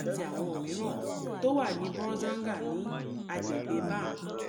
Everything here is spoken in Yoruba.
(àti àwọn mìíràn) tó wà ní Bourzanga ní agbègbè Bam.